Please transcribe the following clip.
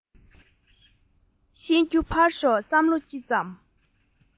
ཤེས རྒྱུ ཕར ཞོག བསམ བློ ཅི ཙམ